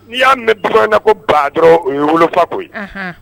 N'i y'a mɛn duna ko ba dɔrɔn o ye wolo fako ye